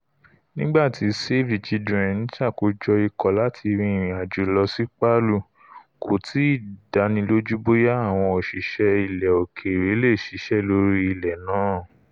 Nígbà tí Save the Children ń ṣàkójo ikọ̀ láti rin ìrìn àjò lọsí Palu, kò tíì dáni lójú bóyá àwọn òṣìṣẹ́ ilẹ̀ òkèèrè leè ṣiṣẹ́ lórí ilẹ̀ náà.